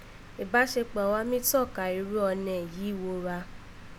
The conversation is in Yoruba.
Ìbásekpọ̀ wá mí tọ́ka irú ọnẹ yìí wo gha